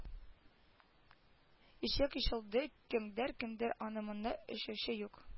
Ишек ачылды кемдер кемдер аны-моны эчүче юк